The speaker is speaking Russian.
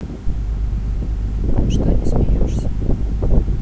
а что не смеешься